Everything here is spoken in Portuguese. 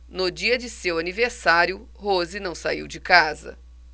no dia de seu aniversário rose não saiu de casa